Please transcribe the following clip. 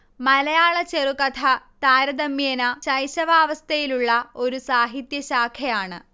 മലയാള ചെറുകഥ താരതമ്യേന ശൈശവാവസ്ഥയിലുള്ള ഒരു സാഹിത്യ ശാഖയാണ്